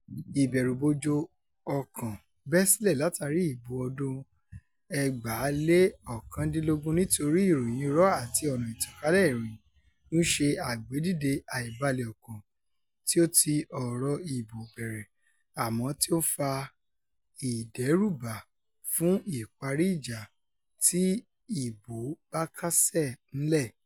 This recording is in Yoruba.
Ìbẹ̀rùbojo ọkàn bẹ́ sílẹ̀ látàrí ìbò ọdún-un 2019 nítorí ìròyìn irọ́ àti ọ̀nà ìtànkálẹ̀ ìròyìn ń ṣe àgbédìde àìbalẹ̀ ọkàn tí ó ti ọ̀rọ̀ ìbò bẹ̀rẹ̀ àmọ́ tí ó ń fa "ìdẹ́rùbà fún ìparí-ìjà tí ìbòó bá kásẹ̀ ńlẹ̀ ".